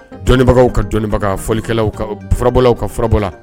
Dɔnnibagaw ka dɔnnibagaw ka fɔlikɛlaw furabɔlaw ka furabɔla